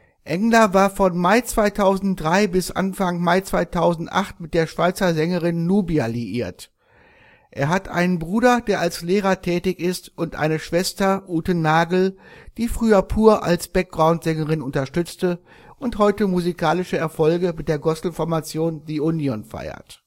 Engler war von Mai 2003 bis Anfang Mai 2008 mit der Schweizer Sängerin Nubya liiert. Er hat einen Bruder, der als Lehrer tätig ist, und eine Schwester, Ute Nagel, die früher Pur als Backgroundsängerin unterstützte und heute musikalische Erfolge mit der Gospelformation „ The Union “feiert